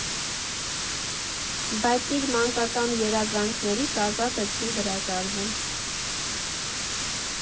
Բայց իր մանկական երազանքներից Ազատը չի հրաժարվում։